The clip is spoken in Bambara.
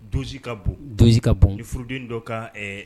Don ka bon donso ka bon ni furuden dɔ ka